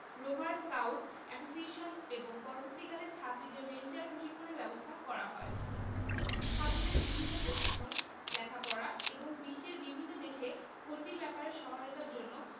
rover scout association এবং পরবর্তীকালে ছাত্রীদের রেঞ্জার প্রশিক্ষণের ব্যবস্থা করা হয় ছাত্রদের বিভিন্ন প্রশিক্ষণ লেখাপড়া এবং বিশ্বের বিভিন্ন দেশে ভর্তির ব্যাপারে সহায়তার জন্য